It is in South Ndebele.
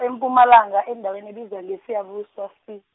e- Mpumalanga endaweni ebizwa ngeSiyabuswa si-.